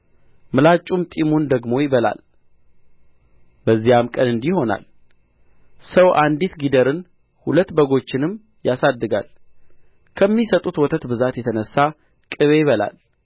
ምላጩም ጢሙን ደግሞ ይበላል በዚያም ቀን እንዲህ ይሆናል ሰው አንዲት ጊደርን ሁለት በጎችንም ያሳድጋል ከሚሰጡት ወተት ብዛት የተነሣ ቅቤ ይበላል